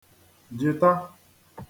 jị̀ta